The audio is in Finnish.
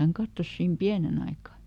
hän katsoi siinä pienen aikaa